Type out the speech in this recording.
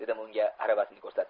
dedim unga aravasini ko'rsatib